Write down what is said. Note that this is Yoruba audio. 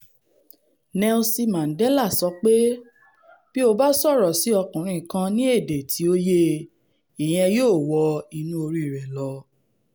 Nelson Mandela sọ pé: ''Bí o bá sọ̀rọ̀ sí ọkùnrin kan ní èdè tí ó yé e, ìyẹn yóò wọ inú orí rẹ lọ.